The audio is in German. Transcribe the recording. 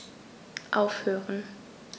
Aufhören.